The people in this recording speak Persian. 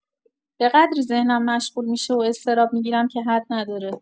به قدری ذهنم مشغول می‌شه و اضطراب می‌گیرم که حد نداره.